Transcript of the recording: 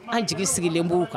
An jigi sigilen b'u kan